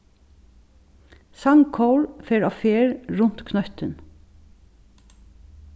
sangkór fer á ferð runt knøttin